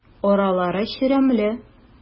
Аралары чирәмле.